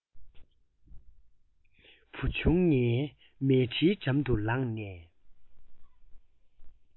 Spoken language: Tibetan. བུ ཆུང ངའི མལ ཁྲིའི འགྲམ དུ ལངས ནས